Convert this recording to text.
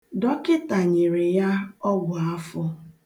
Dọkịta nyere ya ọgwụafọ.